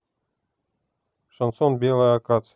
шансон белая акация